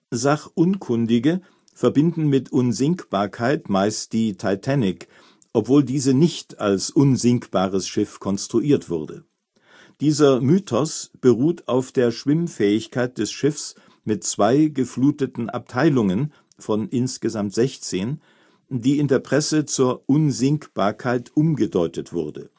Sachunkundige verbinden mit Unsinkbarkeit meist die Titanic, obwohl diese nicht als unsinkbares Schiff konstruiert wurde. Dieser Mythos beruht auf der Schwimmfähigkeit des Schiffs mit zwei gefluteten Abteilungen (von insgesamt 16), die in der Presse zur Unsinkbarkeit umgedeutet wurde